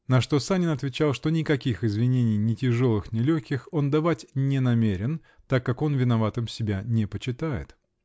На это Санин отвечал, что никаких извинений, ни тяжелых, ни легких, он давать не намерен, так как виноватым себя не почитает.